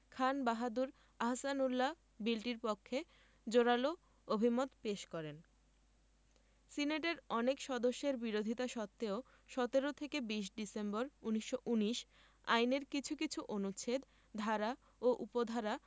খান বাহাদুর আহসানউল্লাহ বিলটির পক্ষে জোরালো অভিমত পেশ করেন সিনেটের অনেক সদস্যের বিরোধিতা সত্ত্বেও ১৭ থেকে ২০ ডিসেম্বর ১৯১৯ আইনের কিছু কিছু অনুচ্ছেদ ধারা ও উপধারা